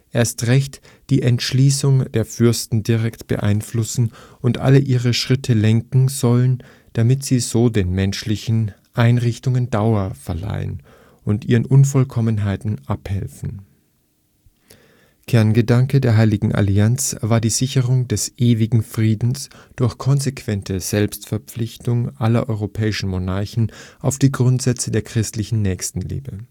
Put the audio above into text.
erst recht die Entschließung der Fürsten direkt beeinflussen und alle ihre Schritte lenken sollen, damit sie so den menschlichen Einrichtungen Dauer verleihen und ihren Unvollkommenheiten abhelfen. “Kerngedanke der Heiligen Allianz war die Sicherung eines „ Ewigen Friedens “durch konsequente Selbstverpflichtung aller europäischen Monarchen auf die Grundsätze der christlichen Nächstenliebe